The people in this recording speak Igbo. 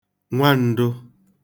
nwan̄dụ̄